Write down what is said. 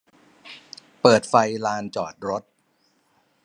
เปิดไฟลานจอดรถ